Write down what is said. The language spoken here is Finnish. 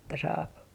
että saa